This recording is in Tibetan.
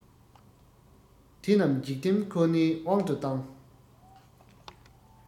དེ རྣམས འཇིག རྟེན ཁོ ནའི དབང དུ བཏང